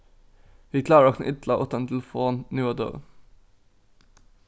vit klára okkum illa uttan telefon nú á døgum